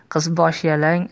qiz bosh yalang